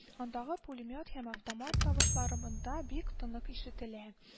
Андагы пулемет һәм автомат тавышлары монда бик тонык ишетелә